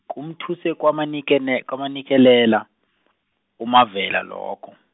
kumthuse kwanikene- kwamanikelela, uMavela lokho.